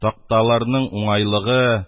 Такталарның уңгайлыгы,